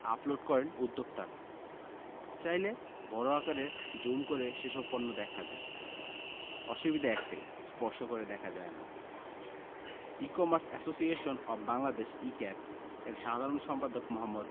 Upload করেন উদ্যোক্তারা চাইলে বড় আকারে জুম করে সেসব পণ্য দেখা যায় অসুবিধা একটাই স্পর্শ করে দেখা যায় না e commerce association of Bangladesh e CAB এর সাধারণ সম্পাদক মো.